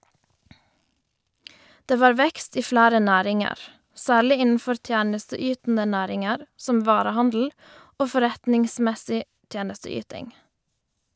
Det var vekst i flere næringer, særlig innenfor tjenesteytende næringer som varehandel og forretningsmessig tjenesteyting.